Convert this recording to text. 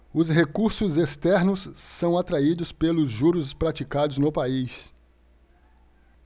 os recursos externos são atraídos pelos juros praticados no país